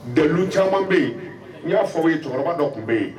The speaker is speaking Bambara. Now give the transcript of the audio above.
Dalu caman bɛ yen n y'a fɔ o ye cɛkɔrɔba dɔ tun bɛ yen